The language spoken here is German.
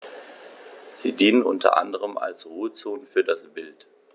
Sie dienen unter anderem als Ruhezonen für das Wild.